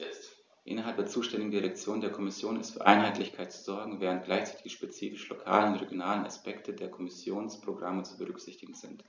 Innerhalb der zuständigen Direktion der Kommission ist für Einheitlichkeit zu sorgen, während gleichzeitig die spezifischen lokalen und regionalen Aspekte der Kommissionsprogramme zu berücksichtigen sind.